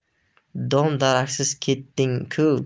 dom daraksiz ketding ku